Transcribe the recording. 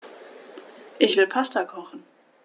Ich will Pasta kochen.